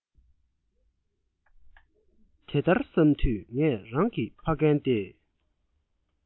དེ ལྟར བསམས དུས ངས རང གི ཕ རྒན ཏེ